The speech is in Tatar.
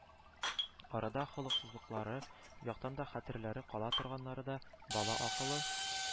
Арада холыксызраклары, юктан да хәтерләре кала торганнары да, бала акылы